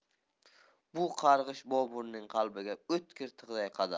bu qarg'ish boburning qalbiga o'tkir tig'day qadaldi